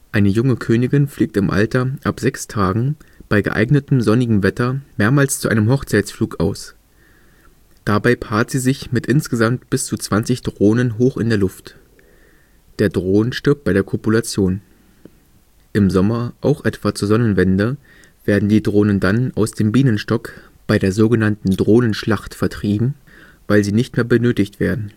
Eine junge Königin fliegt im Alter ab sechs Tagen bei geeignetem, sonnigem Wetter mehrmals zu einem Hochzeitsflug aus. Dabei paart sie sich mit insgesamt bis zu 20 Drohnen hoch in der Luft. Der Drohn stirbt bei der Kopulation. Im Sommer, auch etwa zur Sonnenwende, werden die Drohnen dann aus dem Bienenstock, bei der so genannten „ Drohnenschlacht “vertrieben, weil sie nicht mehr benötigt werden